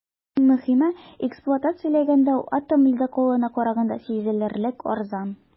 Һәм, иң мөһиме, эксплуатацияләгәндә ул атом ледоколына караганда сизелерлек арзан.